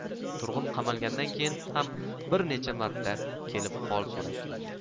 turg'un qamalgandan keyin ham bir necha marta kelib hol so'rab ketdi